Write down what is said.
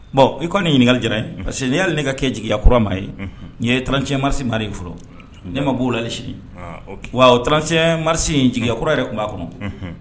Bon i ko ni ɲini ɲininkakali jara ye parce que n' y'ale ne ka kɛ jigiya kura maa ye nin ye tranc marisi mari in fɔlɔ ne ma b'o la sini wa o tcyɛn mari jigiya kɔrɔ yɛrɛ tun b'a kɔnɔ